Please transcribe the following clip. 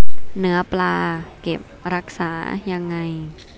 เนื้อปลาเก็บรักษายังไง